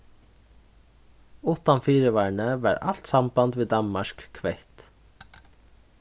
uttan fyrivarni varð alt samband við danmark kvett